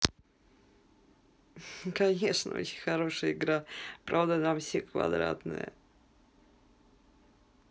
конечно очень хорошая игра правда там все квадратная